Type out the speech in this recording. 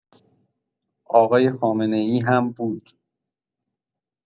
آقای خامنه‌ای هم بود.